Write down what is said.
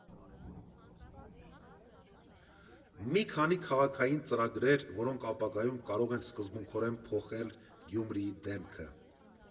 Մի քանի քաղաքային ծրագրեր, որոնք ապագայում կարող են սկզբունքորեն փոխել Գյումրիի դեմքը։